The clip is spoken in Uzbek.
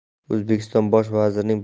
o'zbekiston bosh vazirining birinchi